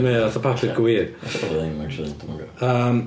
Mae o fatha papur go wir... Ella bod o ddim actually dwi'm yn gwbod... Yym